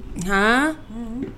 H